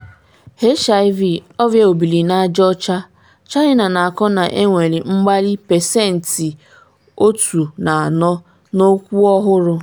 HIV/Ọrịa obiri n’aja ọcha: China n’akọ na-enwere mgbali 14% n’okwu ọhụrụ